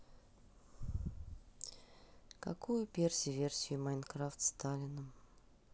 какую перси версию minecraft сталиным